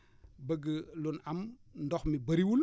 bëgg luñ amndox mi bëriwul